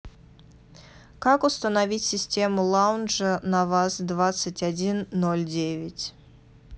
как установить систему лаунжа на ваз двадцать один ноль девять